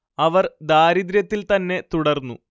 അവർ ദാരിദ്ര്യത്തിൽ തന്നെ തുടർന്നു